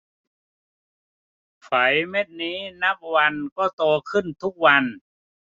ไฝเม็ดนี้นับวันก็โตขึ้นทุกวัน